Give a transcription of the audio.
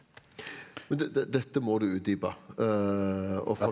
men du det dette må du utdype og.